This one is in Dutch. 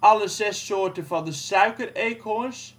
alle zes soorten van de suikereekhoorns (Petaurus),